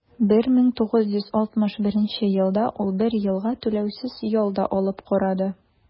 1961 елда ул бер елга түләүсез ял да алып карады.